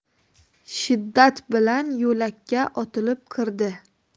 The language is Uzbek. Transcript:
shiddat bilan yo'lakka otilib kirdi